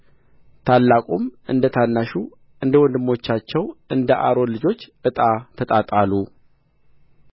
ታላቁም እንደ ታናሹ እንደ ወንድሞቻቸው እንደ አሮን ልጆች ዕጣ ተጣጣሉ